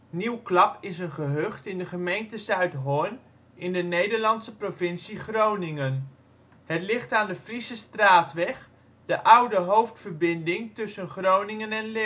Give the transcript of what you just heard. Nieuwklap is een gehucht in de gemeente Zuidhorn in de Nederlandse provincie Groningen. Het ligt aan de Friesestraatweg, de oude hoofdverbinding tussen Groningen en